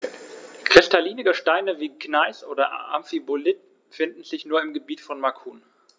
Kristalline Gesteine wie Gneis oder Amphibolit finden sich nur im Gebiet von Macun.